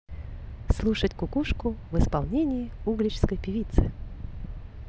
слушать кукушку в исполнении угличской певицы